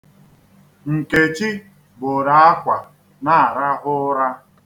Nkechi gboro akwa na-arahụ ụra.